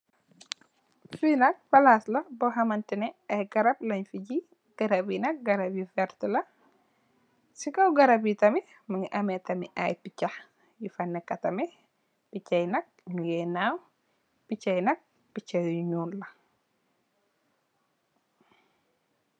Fee nak plass la bu hamtane aye garab lenfe jeeh garab ye nak garab yu verte la se kaw garab ye tamin muge ameh tamin aye pecha nufa neka tamin pecha ye nak nuge naw pecha ye nak pecha yu nuul la.